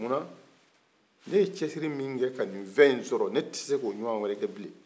muna ne ye cɛsiri min kɛ ka nin fɛn sɔrɔ ne te se k'o ŋawɛrɛ kɛ bile